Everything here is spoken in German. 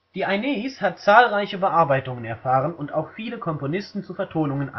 Die Aeneis hat zahlreiche Bearbeitungen erfahren und auch viele Komponisten zu Vertonungen